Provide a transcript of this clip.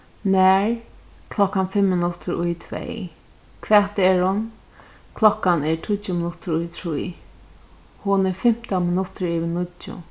nær klokkan fimm minuttir í tvey hvat er hon klokkan er tíggju minuttir í trý hon er fimtan minuttir yvir níggju